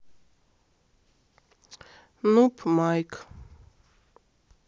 нуб майк